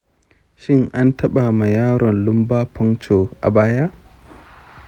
shin an taɓa ma yaron lumbar puncture a baya?